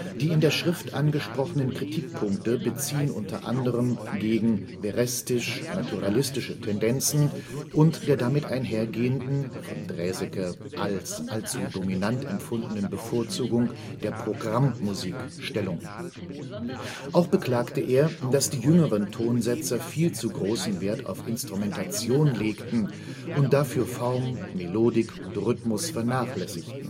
Die in der Schrift angesprochenen Kritikpunkte beziehen unter anderem gegen veristisch-naturalistische Tendenzen und der damit einhergehenden, von Draeseke als allzu dominant empfundenen Bevorzugung der Programmmusik Stellung. Auch beklagte er, dass die jüngeren Tonsetzer viel zu großen Wert auf Instrumentation legten und dafür Form, Melodik und Rhythmus vernachlässigten